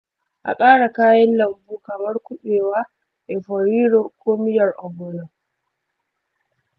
a ƙara kayan lambu kamar kubewa, efo riro, ko miyar ogbono.